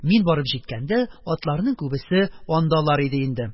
Мин барып җиткәндә, атларның күбесе андалар иде инде.